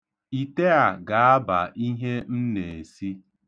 Ite a ga-aba ihe m na-esi.